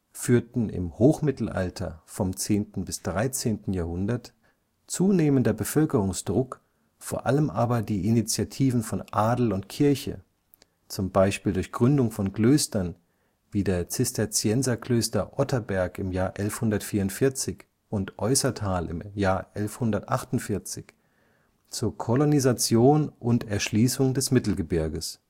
führten im Hochmittelalter (10. bis 13. Jahrhundert) zunehmender Bevölkerungsdruck, vor allem aber die Initiativen von Adel und Kirche, z. B. durch Gründung von Klöstern wie der Zisterzienserklöster Otterberg (1144) und Eußerthal (1148), zur Kolonisation und Erschließung des Mittelgebirges